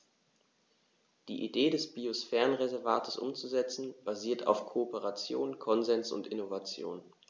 Die Idee des Biosphärenreservates umzusetzen, basiert auf Kooperation, Konsens und Innovation.